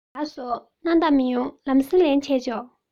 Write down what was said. ལགས སོ སྣང དག མི ཡོང ལམ སེང ལན ཞུས ཆོག